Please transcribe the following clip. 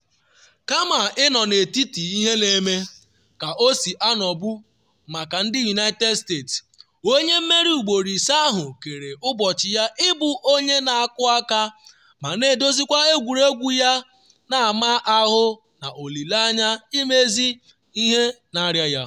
Kama ịnọ n’etiti ihe na-eme, ka o si anọbu maka ndị United States, onye mmeri ugboro ise ahụ kere ụbọchị ya ịbụ onye na-akụ aka ma na-edozikwa egwuregwu ya n’ama ahụ n’olile anya imezi ihe na-arịa ya.